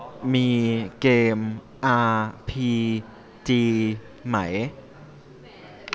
มีเกมอาพีจีไหม